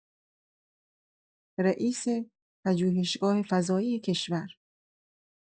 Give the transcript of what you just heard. رئیس پژوهشگاه فضایی کشور